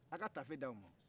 aw ka taafe d'anw ma